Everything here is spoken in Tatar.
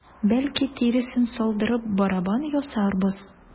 Бәлки, тиресен салдырып, барабан ясарбыз?